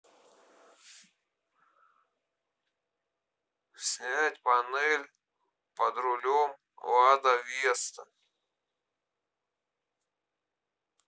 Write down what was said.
снять панель под рулем лада веста